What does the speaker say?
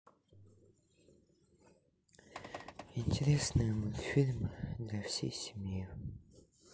интересные мультфильмы для всей семьи